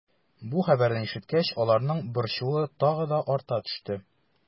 Бу хәбәрне ишеткәч, аларның борчуы тагы да арта төште.